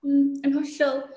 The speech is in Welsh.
Mm, yn hollol.